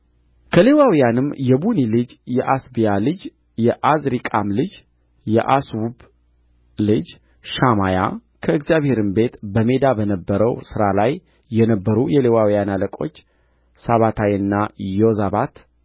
ከሌዋውያንም የቡኒ ልጅ የአሳብያ ልጅ የዓዝሪቃም ልጅ የአሱብ ልጅ ሻማያ ከእግዚአብሔርም ቤት በሜዳ በነበረው ሥራ ላይ የነበሩ የሌዋውያን አለቆች ሳባታይና ዮዛባት